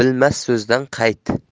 bilmas so'zdan qayt